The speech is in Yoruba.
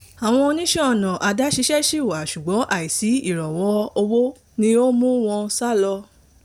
"Àwọn oníṣẹ́-ọnà adáṣiṣẹ́ ṣì wà, ṣùgbọ́n àìsí ìrànwọ́ owó ni ó máa ń mú wọ́n sálọ.